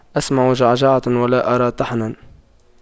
أسمع جعجعة ولا أرى طحنا